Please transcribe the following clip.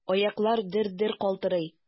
Аяклар дер-дер калтырый.